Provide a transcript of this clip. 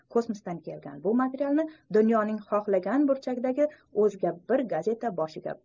kosmosdan kelgan bu materialni dunyoning xohlagan burchagidagi o'zga bir gazeta boshiga